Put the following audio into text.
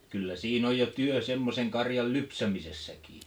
kyllä siinä on jo työ semmoisen karjan lypsämisessäkin